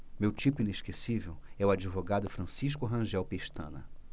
meu tipo inesquecível é o advogado francisco rangel pestana